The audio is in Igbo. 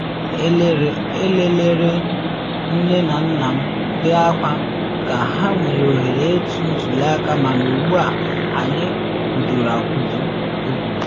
Elelere m nne na nna m bee akwa ka ha nwere ohere ịtụ ntuli aka mana ugbu a anyị kwudoro akwudo,” o kwuru.